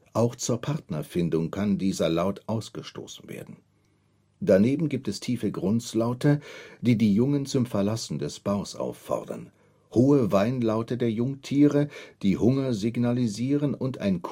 Auch zur Partnerfindung kann dieser Laut ausgestoßen werden. Daneben gibt es tiefe Grunzlaute, die die Jungen zum Verlassen des Baus auffordern, hohe Weinlaute der Jungtiere, die Hunger signalisieren und ein kuhartiger